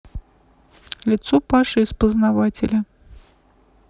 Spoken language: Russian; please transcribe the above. лицо паши из познавателя